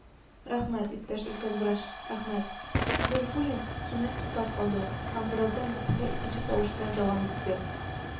— рәхмәт, иптәш өлкән врач, рәхмәт! — гарифуллин кинәт туктап калды һәм бераздан бөтенләй икенче тавыш белән дәвам итте: